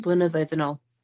Blynyddoedd yn ôl.